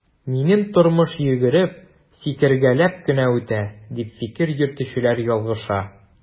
Минем тормыш йөгереп, сикергәләп кенә үтә, дип фикер йөртүчеләр ялгыша.